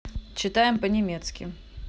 читаем по немецки